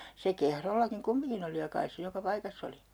se Kehrollakin kumminkin oli ja kai se joka paikassa oli